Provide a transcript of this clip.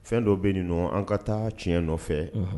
Fɛn dɔ bɛ nin nɔn an ka taa tiɲɛ nɔfɛ